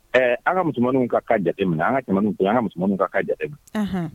Ɛɛ an ŋa musomanniw ŋa cas jateminɛ an ŋa cɛmanniw to yen an ŋa musomanniw ka cas jateminɛ anhan